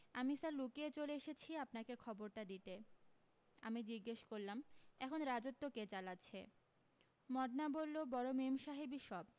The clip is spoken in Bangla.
আমি স্যার লুকিয়ে চলে এসেছি আপনাকে খবরটা দিতে আমি জিজ্ঞেস করলাম এখন রাজত্ব কে চালাচ্ছে মদনা বললো বড় মেমসাহেবই সব